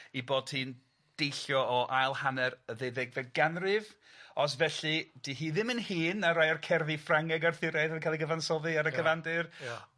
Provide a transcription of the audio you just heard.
'i bod hi'n deillio o ail hanner y ddeuddegfed ganrif, os felly 'di hi ddim yn hŷn na rai o'r cerddi Ffrangeg Arthuriaidd yn cael ei gyfansoddi ar y cyfandir. Ia ia.